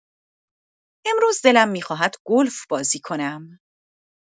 امروز دلم می‌خواد گلف بازی کنم؟